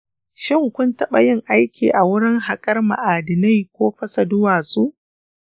shin kun taɓa yin aiki a wurin haƙar ma'adinai ko fasa duwatsu?